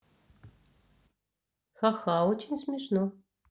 хаха очень смешно